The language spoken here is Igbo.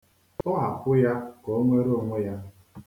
Tọghapụ ya ka o nwere onwe ya.